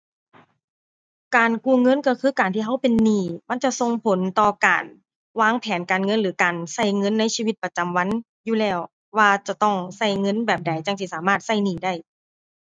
การกู้เงินก็คือการที่ก็เป็นหนี้ มันจะส่งผลต่อการ วางแผนการเงินหรือการก็เงินในชีวิตประจำวันอยู่แล้วว่าจะต้องก็เงินแบบใดจั่งสิสามารถก็หนี้ได้